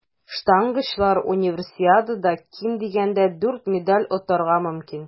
Штангачылар Универсиадада ким дигәндә дүрт медаль отарга мөмкин.